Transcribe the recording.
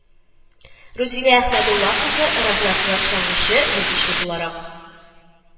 Рузинә Әхмәдулла кызы разрядлы чаңгычы, йөзүче буларак